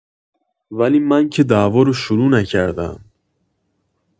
ولی من که دعوا رو شروع نکردم.